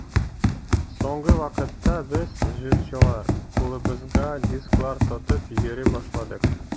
Соңгы вакытта без, җырчылар, кулыбызга дисклар тотып йөри башладык.